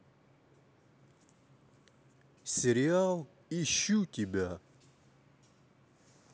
сериал ищу тебя